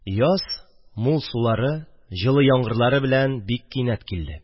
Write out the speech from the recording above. Яз мул сулары, җылы яңгырлары белән бик кинәт килде